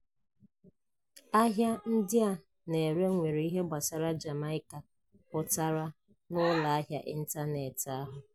Ahịa ndị a na-ere nwere ihe gbasara Jamaica pụtara n'ụlọahịa ịntaneetị ahụ